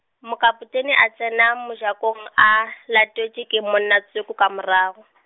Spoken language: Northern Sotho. mokapotene a tsena mojakong a, latetšwe ke monnatsoko ka morago.